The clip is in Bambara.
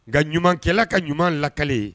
Nka ɲumankɛla ka ɲuman lakale ye